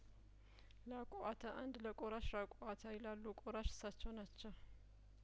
ላቁአተ አንድ ለቆራሽ ራቁአተ ይላሉ ቆራሽ እሳቸው ናቸው